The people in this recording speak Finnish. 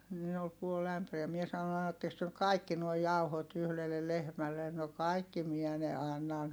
niin oli puoli ämpäriä minä sanoin annattekos te nyt kaikki nuo jauhot yhdelle lehmälle no kaikki minä ne annan sanoi